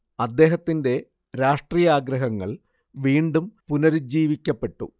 അദ്ദേഹത്തിന്റെ രാഷ്ട്രീയാഗ്രഹങ്ങൾ വീണ്ടും പുനരുജ്ജീവിക്കപ്പെട്ടു